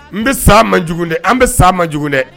N be saa man jugu dɛ an bɛ saa man jugu dɛ